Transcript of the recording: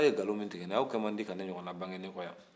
a ye nkalon min tigɛ nin ye aw kɛ man di ka ne ɲɔgɔnna bange ne kɔ yan